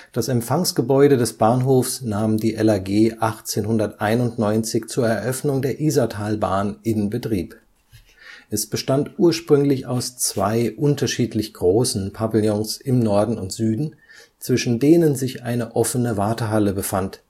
Das Empfangsgebäude des Bahnhofs nahm die LAG 1891 zur Eröffnung der Isartalbahn in Betrieb. Es bestand ursprünglich aus zwei unterschiedlich großen Pavillons im Norden und Süden, zwischen denen sich eine offene Wartehalle befand